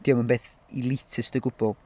'Di o'm yn beth elitist o gwbl.